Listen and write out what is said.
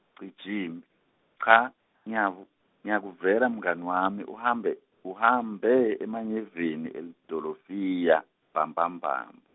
Cijimphi, cha, ngiyavu- ngiyakuvela mngani wami uhambe, uhambe emanyeveni elidolofiya, mbambamba mb-.